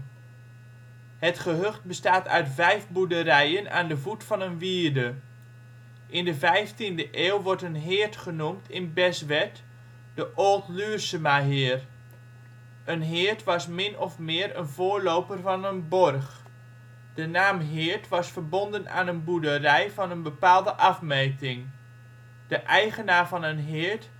gehucht bestaat uit vijf boerderijen aan de voet van een wierde. In de vijftiende eeuw wordt een heerd genoemd in Beswerd, de Old Luursemaheer. Een heerd was min of meer een voorloper van een borg. De naam heerd was verbonden aan een boerderij van een bepaalde afmeting. De eigenaar van een heerd